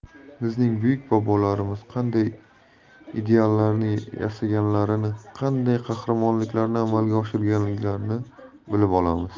bizning buyuk bobolarimiz qanday ideallarni yashaganlarini qanday qahramonliklarni amalga oshirganlarini bilib olamiz